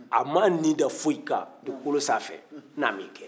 a ma ni da fosi kan dugukolo kan k'a ma kɛ